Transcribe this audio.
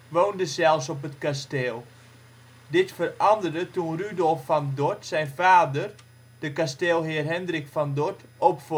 woonde zelfs op het kasteel. Dit veranderde toen Rudolf van Dorth zijn vader (de kasteelheer Hendrik van Dorth) opvolgde